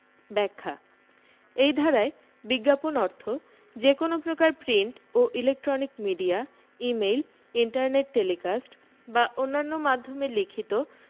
ব্যাখ্যা এই ধারায় বিজ্ঞাপন অর্থ যে কোন প্রকার প্রিন্ট ও electronic media email internet telecast বা অন্যান্য মাধ্যমে লিখিত